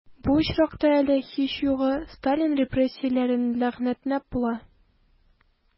Бу очракта әле, һич югы, Сталин репрессияләрен ләгънәтләп була...